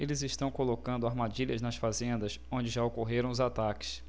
eles estão colocando armadilhas nas fazendas onde já ocorreram os ataques